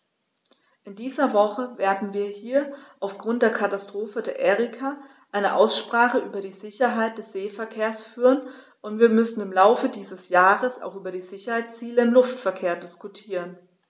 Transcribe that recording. In dieser Woche werden wir hier aufgrund der Katastrophe der Erika eine Aussprache über die Sicherheit des Seeverkehrs führen, und wir müssen im Laufe dieses Jahres auch über die Sicherheitsziele im Luftverkehr diskutieren.